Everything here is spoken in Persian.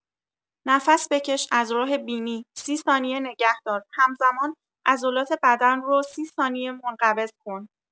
نفس بکش از راه بینی، ۳۰ ثانیه نگه‌دار، همزمان عضلات بدن رو ۳۰ ثانیه منقبض کن.